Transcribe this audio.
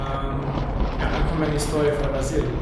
Ja, han kom med en historie fra Brasil.